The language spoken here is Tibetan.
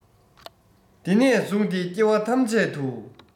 འདི ནས བཟུང སྟེ སྐྱེ བ ཐམས ཅད དུ